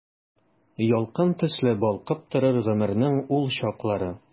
Ялкын төсле балкып торыр гомернең ул чаклары.